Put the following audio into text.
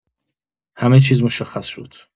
همه چیز مشخص شد.